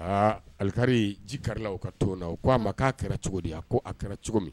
Aa alik ji kari u ka to na o ko'a ma k'a kɛra cogo di ko a kɛra cogo min